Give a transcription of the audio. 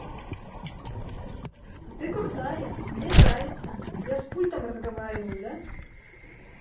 а ты крутая мне нравится я с пультом разговариваю да